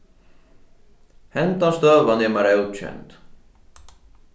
hendan støðan er mær ókend